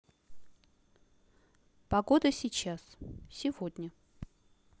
погода сейчас сегодня